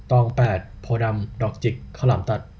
ตองแปดโพธิ์ดำดอกจิกข้าวหลามตัด